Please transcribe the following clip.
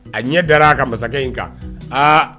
A ɲɛ da' a ka masakɛ in kan aa